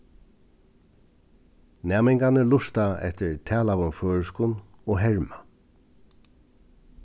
næmingarnir lurta eftir talaðum føroyskum og herma